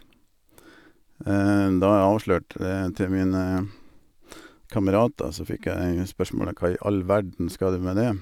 Hva i all verden skal du med det?